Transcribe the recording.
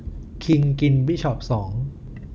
คิงกินบิชอปสอง